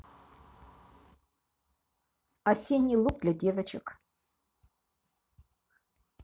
осенний лук для девочек